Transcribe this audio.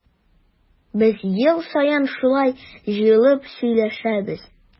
Без ел саен шулай җыелып сөйләшәбез.